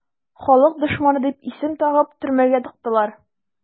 "халык дошманы" дип исем тагып төрмәгә тыктылар.